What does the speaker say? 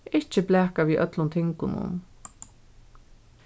ikki blaka við øllum tingunum